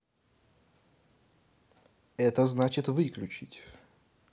это значит выключить